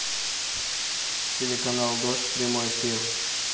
телеканал дождь прямой эфир